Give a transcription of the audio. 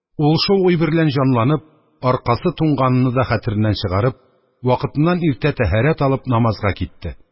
Ул, шул уй берлән җанланып, аркасы туңганыны да хәтереннән чыгарып, вакытыннан иртә тәһарәт алып, намазга китте.